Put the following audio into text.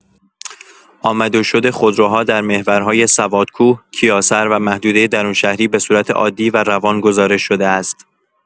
آمد و شد خودروها در محورهای سوادکوه، کیاسر و محدوده درون‌شهری به صورت عادی و روان گزارش‌شده است.